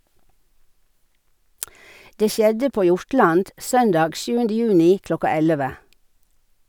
Det skjedde på Hjortland, søndag 7. juni kl. 11.